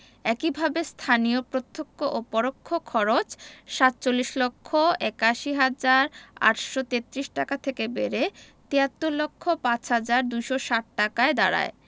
একইভাবে স্থানীয় প্রত্যক্ষ ও পরোক্ষ খরচ ৪৭ লক্ষ ৮১ হাজার ৮৩৩ টাকা থেকে বেড়ে ৭৩ লক্ষ ৫ হাজার ২৬০ টাকায় দাঁড়ায়